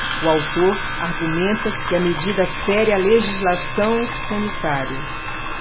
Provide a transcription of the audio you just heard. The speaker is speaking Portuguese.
o autor argumenta que a medida fere a legislação sanitária